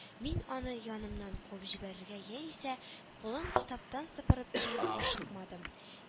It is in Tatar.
Мин аны янымнан куып җибәрергә яисә колон китаптан сыпырып төшерергә ашыкмадым